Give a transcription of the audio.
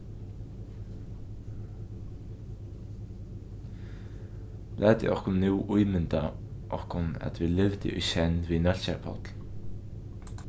latið okkum nú ímynda okkum at vit livdu í senn við nólsoyar páll